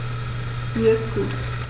Mir ist gut.